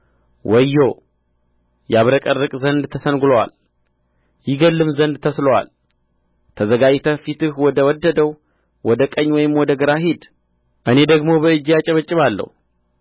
ወዮ ያብረቀርቅ ዘንድ ተሰንግሎአል ይገድልም ዘንድ ተስሎአል ተዘጋጅተህ ፊትህ ወደ ወደደው ወደ ቀኝ ወይም ወደ ግራ ሂድ እኔ ደግሞ በእጄ አጨበጭባለሁ